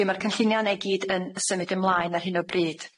Lly ma'r cynllunia yna i gyd yn symud ymlaen ar hyn o bryd.